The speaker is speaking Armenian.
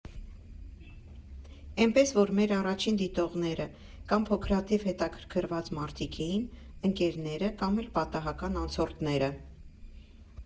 Էնպես որ մեր առաջին դիտողները կամ փոքրաթիվ հետաքրքրված մարդիկ էին, ընկերները կամ էլ պատահական անցորդները։